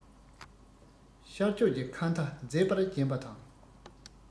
ཤར ཕྱོགས ཀྱི མཁའ མཐའ མཛེས པར བརྒྱན པ དང